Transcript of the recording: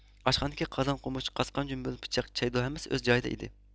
ئاشخانىدىكى قازان قومۇچ قاسقان جۈمبۈل پىچاق چەيدۇ ھەممىسى ئۆز جايىدا ئىدى